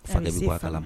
Fa kala